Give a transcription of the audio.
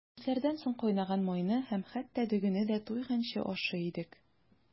Дәресләрдән соң кайнаган майны һәм хәтта дөгене дә туйганчы ашый идек.